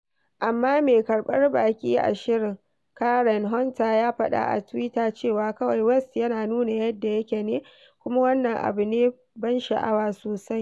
Amma mai karɓar baƙi a shirin Karen Hunter ya faɗa a Twitter cewa kawai West "yana nuna yadda yake ne kuma wannan abu ne ban sha'awa sosai."